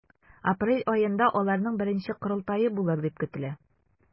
Апрель аенда аларның беренче корылтае булыр дип көтелә.